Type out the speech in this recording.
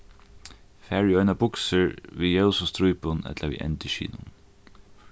far í einar buksur við ljósum strípum ella við endurskinum